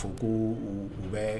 Fo ko u bɛ